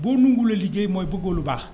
boo nanguwul a liggéey mooy bëggoo lu baax